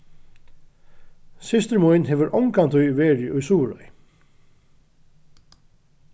systir mín hevur ongantíð verið í suðuroy